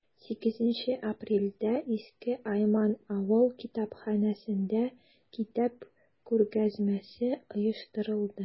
8 апрельдә иске айман авыл китапханәсендә китап күргәзмәсе оештырылды.